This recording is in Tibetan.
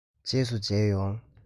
རྗེས སུ མཇལ ཡོང